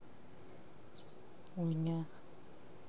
уйня